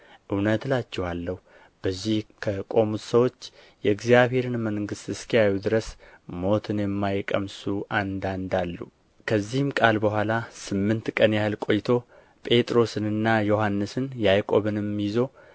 እውነት እላችኋለሁ በዚህ ከሚቆሙት ሰዎች የእግዚአብሔርን መንግሥት እስኪያዩ ድረስ ሞትን የማይቀምሱ አንዳንድ አሉ ከዚህም ቃል በኋላ ስምንት ቀን ያህል ቈይቶ ጴጥሮስንና ዮሐንስን ያዕቆብንም ይዞ